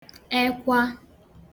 ekwa